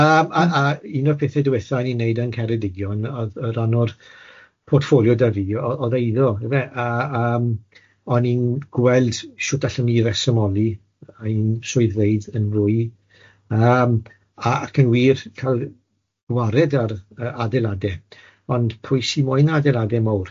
Yym a a un o'r pethe diwetha i ni neud yn Ceredigion o'dd o ran o'r portffolio 'da fi o'dd o'dd eiddo yfe a yym o'n i'n gweld shwt allwn ni resymoli ein swyddfeydd yn fwy yym a ac yn wir ca'l gwared ar y adeilade, ond pwy sy moyn adeilade mowr?